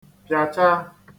-pịàcha